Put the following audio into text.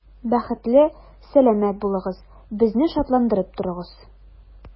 Бәхетле, сәламәт булыгыз, безне шатландырып торыгыз.